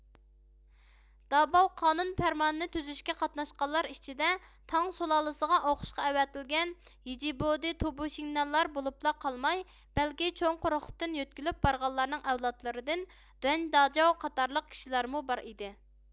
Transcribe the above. داباۋ قانۇن پەرمانى نى تۈزۈشكە قاتناشقانلار ئىچىدە تاڭ سۇلالىسىغا ئوقۇشقا ئەۋەتىلگەن يىجىبودى تۇبۇشىڭنەنلار بولۇپلا قالماي بەلكى چوڭ قۇرۇقلۇقتىن يۆتكىلىپ بارغانلارنىڭ ئەۋلادلىرىدىن دۇەن داجاۋ قاتارلىق كىشىلەرمۇ بار ئىدى